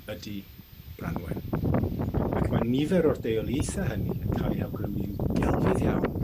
ydi Branwen. Ac ma' nifer o'r deuoliaethe hynny yn ca'l eu hawgrymu'n gelfydd iawn